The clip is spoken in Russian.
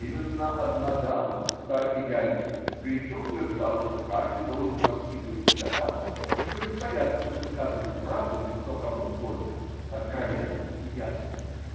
Именно одна дама из старых идеалисток горячо утверждала, что каждый должен воспитывать себя так, чтобы не бояться высказывать правду в лицо кому угодно, откровенно и ясно.